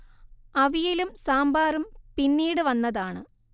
അവിയലും സാമ്പാറും പിന്നീട് വന്നതാണ്